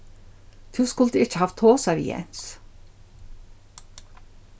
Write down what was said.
tú skuldi ikki havt tosað við jens